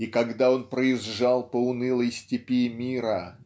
и когда он проезжал по унылой степи мира